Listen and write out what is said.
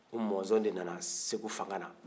o mɔnzɔn de nana segu fanga na